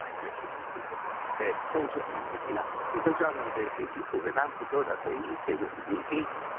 giải quyết của chính phủ việt nam về câu chuyện này như thế nào thì tôi cho rằng về phía chính phủ việt nam thì tôi đã thấy thể hiện những cái